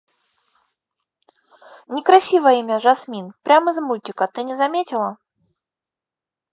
некрасивое имя жасмин прям из мультика ты не заметила